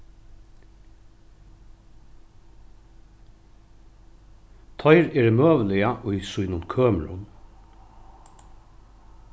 teir eru møguliga í sínum kømrum